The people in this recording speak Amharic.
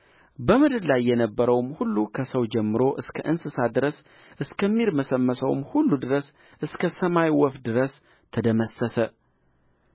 በምድር ላይ የነበረውም ሁሉ ከሰው ጀምሮ እስከ እንስሳ ድረስ እስከሚርመሰመሰውም ሁሉ ድረስ እስከ ሰማይ ወፍ ድረስ ተደመሰሰ